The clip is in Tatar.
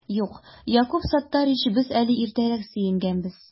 Юк, Якуб Саттарич, без әле иртәрәк сөенгәнбез